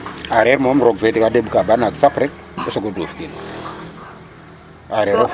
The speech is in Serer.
AAreer moom roog ka deɓka ba nang sap rek o soog o duufkin aa.reer